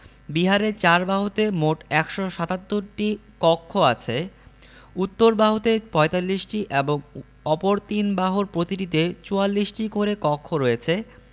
বিহারের ৪ বাহুতে মোট ১৭৭টি কক্ষ আছে উত্তর বাহুতে ৪৫টি এবং অপর তিন বাহুর প্রতিটিতে ৪৪টি করে কক্ষ রয়েছে